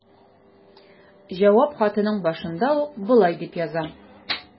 Җавап хатының башында ук ул болай дип яза.